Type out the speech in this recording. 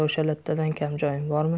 o'sha lattadan kam joyim bormi